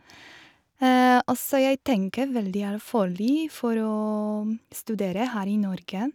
Og så jeg tenker veldig alvorlig for å studere her i Norge.